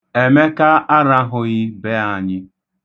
Emeka arahụghị be anyị.